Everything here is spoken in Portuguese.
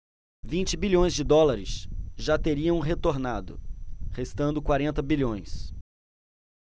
vinte bilhões de dólares já teriam retornado restando quarenta bilhões